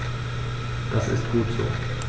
Das ist gut so.